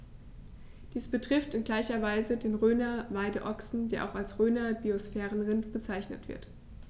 Dies betrifft in gleicher Weise den Rhöner Weideochsen, der auch als Rhöner Biosphärenrind bezeichnet wird.